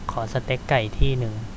ขอสเต็กไก่ที่นึง